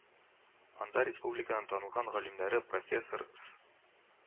Анда республиканың танылган галимнәре профессор С